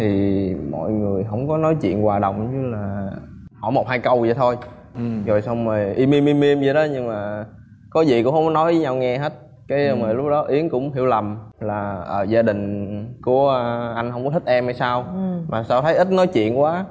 thì mọi người hổng có nói chuyện hòa đồng cũng như là hỏi một hai câu vậy thôi rồi xong rồi im im im im vậy đó nhưng mà có gì cũng không có nói với nhau nghe hết cấy mà lúc đó yến cũng hiểu lầm là ờ gia đình của anh không có thích em hay sao mà sao thấy ít nói chuyện quá